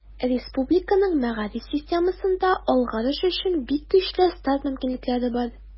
Республиканың мәгариф системасында алгарыш өчен бик көчле старт мөмкинлекләре бар.